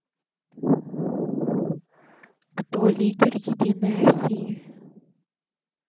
кто лидер единой россии